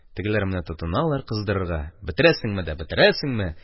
Тегеләр менә тотыналар кыздырырга: «Бетерәсеңме дә бетерәсеңме?»